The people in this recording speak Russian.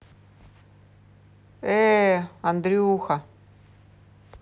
э андрюха